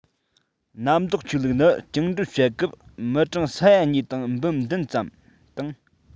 གནམ བདག ཆོས ལུགས ནི བཅིང འགྲོལ བྱེད སྐབས མི གྲངས ས ཡ གཉིས དང འབུམ བདུན ཙམ དང